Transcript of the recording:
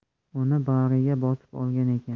uni bag'riga bosib olgan ekan